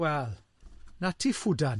Wel, 'na ti ffwdan!